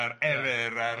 a'r eryr